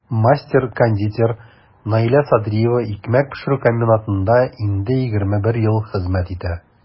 Мастер-кондитер Наилә Садриева икмәк пешерү комбинатында инде 21 ел хезмәт итә.